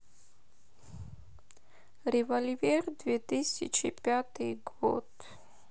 револьвер две тысячи пятый год